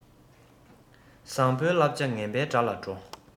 བཟང པོའི བསླབ བྱ ངན པའི དགྲ ལ འགྲོ